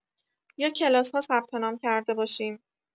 یا کلاس‌ها ثبت‌نام کرده باشیم؟